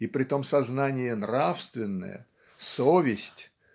и притом сознание нравственное совесть